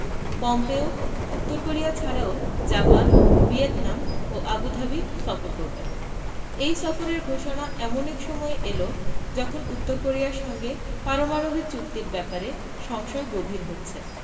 Pompeo উত্তর Korea ছাড়াও Japan Vietnam ও আবুধাবি সফর করবেন এই সফরের ঘোষণা এমন এক সময়ে এল যখন উত্তর কোরিয়ার সঙ্গে পারমাণবিক চুক্তির ব্যাপারে সংশয় গভীর হচ্ছে